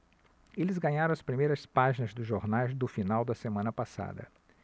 eles ganharam as primeiras páginas dos jornais do final da semana passada